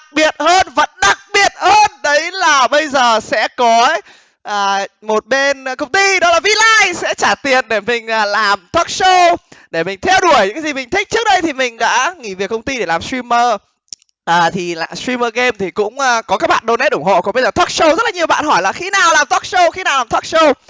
biệt hơn và đặc biệt hơn đấy là bây giờ sẽ có một bên công ty đó là vi lai sẽ trả tiền để mình làm thoóc sâu để mình theo đuổi những gì mình thích trước đây thì mình đã nghỉ việc công ty để làm sờ trim mơ à thì là sờ trim mơ ghêm thì cũng có các bạn đô nết ủng hộ còn bây giờ thoóc sâu rất nhiều bạn hỏi là khi nào làm thoóc sâu khi nào làm thoóc sâu